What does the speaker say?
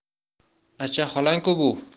acha xolang ku bu